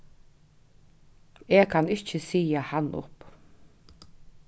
eg kann ikki siga hann upp